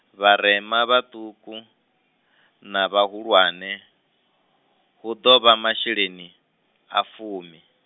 vharema vhaṱuku, na vhahulwane, hu ḓo vha masheleni, a fumi.